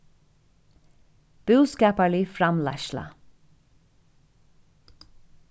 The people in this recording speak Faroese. búskaparlig framleiðsla